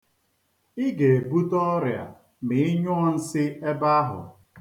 I ga-ebute ọrịa ma ị nyụọ nsị ebe ahụ.